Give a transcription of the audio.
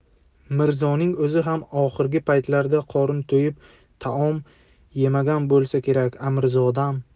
mirzoning o'zi ham oxirgi paytlarda qorni to'yib taom yemagan bo'lsa kerak amirzodam